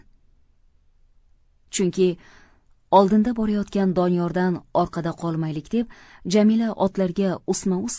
chunki oldinda borayotgan doniyordan orqada qolmaylik deb jamila otlarga ustma ust